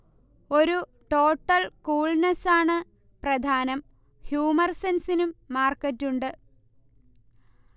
ഒരു ടോട്ടൽ കൂൾനെസ്സാണ് പ്രധാനം ഹ്യുമർെസൻസിനും മാർക്കറ്റുണ്ട്